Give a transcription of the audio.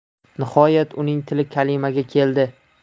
nihoyat uning tili kalimaga keldi